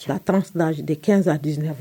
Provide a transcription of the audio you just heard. Su tansi de kɛsan di